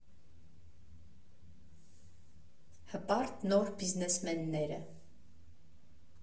Հպարտ նոր բիզնեսմենները։